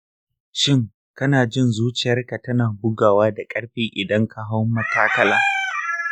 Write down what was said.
shin kana jin zuciyarka tana bugawa da ƙarfi idan ka hau matakala?